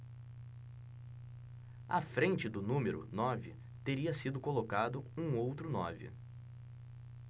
à frente do número nove teria sido colocado um outro nove